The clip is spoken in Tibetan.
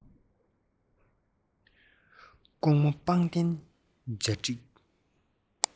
ཀོང མོ པང གདན འཇའ འགྲིག